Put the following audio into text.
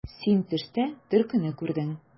Син төштә төлкене күрдең.